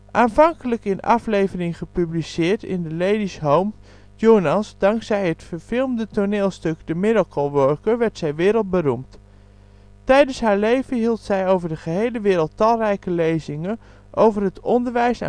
aanvankelijk in afleveringen gepubliceerd in het " Ladies ' Home Journal ". Dankzij het verfilmde toneelstuk The miracle worker werd zij wereldberoemd. Tijdens haar leven hield zij over de gehele wereld talrijke lezingen over het onderwijs